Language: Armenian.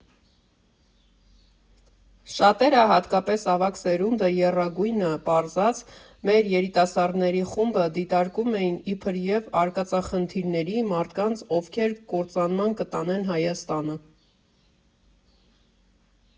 ֊Շատերը՝ հատկապես ավագ սերունդը, եռագույնը պարզած մեր երիտասարդների խումբը դիտարկում էին իբրև արկածախնդիրների, մարդկանց, ովքեր կործանման կտանեն Հայաստանը։